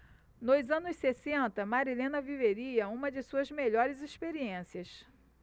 nos anos sessenta marilena viveria uma de suas melhores experiências